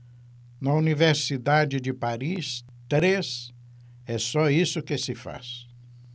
na universidade de paris três é só isso que se faz